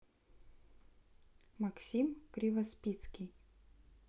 максим кривоспицкий